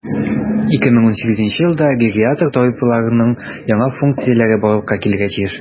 2018 елда гериатр табибларның яңа функцияләре барлыкка килергә тиеш.